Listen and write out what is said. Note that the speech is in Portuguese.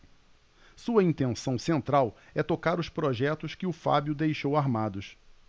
sua intenção central é tocar os projetos que o fábio deixou armados